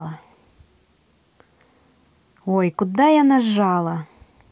ой куда я нажала